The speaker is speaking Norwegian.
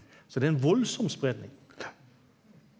så det er ein veldig spreiing.